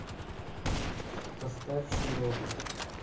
поставь широкую